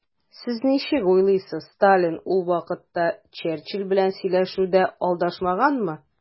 Сез ничек уйлыйсыз, Сталин ул вакытта Черчилль белән сөйләшүдә алдашмаганмы?